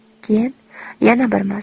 keyin yana bir marta